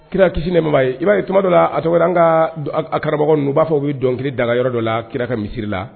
Kira kisi nɛba ye i b'a tuma dɔ la a tɔgɔ an ka karamɔgɔ n u b'a fɔ y'i dɔn daga yɔrɔ dɔ la kira ka misisiriri la